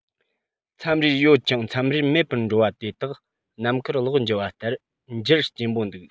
མཚམས རེར ཡོད ཅིང མཚམས རེར མེད པར འགྲོ བ དེ དག ནམ མཁར གློག འགྱུ བ ལྟར འགྱུར སྐྱེན པོ འདུག